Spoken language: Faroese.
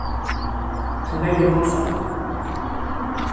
tíverri passar tað